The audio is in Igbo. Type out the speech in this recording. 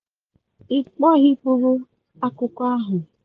I kpughepuru akwụkwọ ahụ?